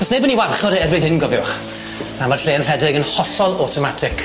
Do's neb yn ei warchod e erbyn hyn cofiwch, na ma'r lle yn rhedeg yn hollol awtomatig.